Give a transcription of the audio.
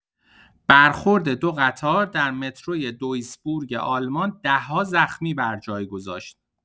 برخورد ۲ قطار در متروی دویسبورگ آلمان ده‌ها زخمی بر جای گذاشت.